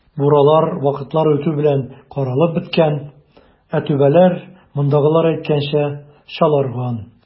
Буралар вакытлар үтү белән каралып беткән, ә түбәләр, мондагылар әйткәнчә, "чаларган".